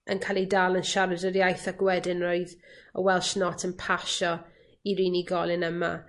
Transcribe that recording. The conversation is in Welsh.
yn ca'l 'i dal yn siarad yr iaith ac wedyn roedd y Welsh Not yn pasio i'r unigolyn yma.